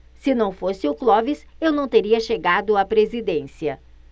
se não fosse o clóvis eu não teria chegado à presidência